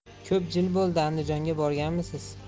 ko'p jil bo'ldi andijonga borganmisiz